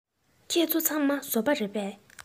ཁྱེད ཚོ ཚང མ བཟོ པ རེད པས